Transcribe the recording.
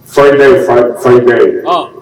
Farin bɛ ye farin bɛ ye